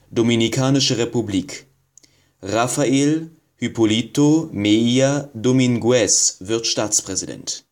Dominikanische Republik: Rafael Hipólito Mejía Domínguez wird Staatspräsident